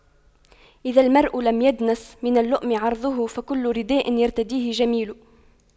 إذا المرء لم يدنس من اللؤم عرضه فكل رداء يرتديه جميل